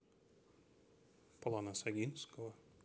полонез огинского